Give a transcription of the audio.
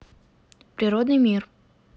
природный мир